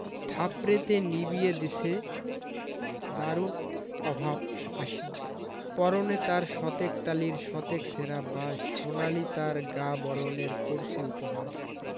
থাপড়েতে নিবিয়ে দেছে দারুণ অভাব আসি পরনে তার শতেক তালির শতেক ছেঁড়া বাস সোনালি তার গা বরণের করছে উপহাস